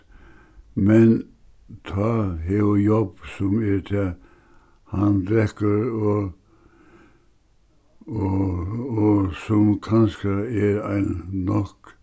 men tá hevur job sum er tað hann drekkur og og og sum kanska er ein nokk